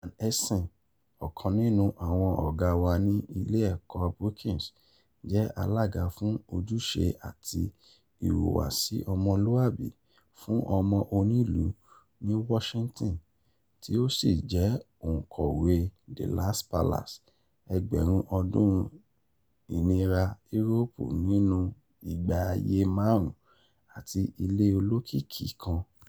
Norman Eisen, ọ̀kan nínú àwọn ọ̀gá wa ní ilé ẹ̀kọ́ Brookings, jẹ́ alága fún Ojúṣe àti ìhùwàsí ọmọlúàbí fún Ọmọ onílùú ní Washington tí ó sì jẹ́ òǹkọ̀wé “The Last Palace: Ẹgbẹrun ọdun Inira Uropu nínú Igba aye Marun ati Ile Olokiki Kan.”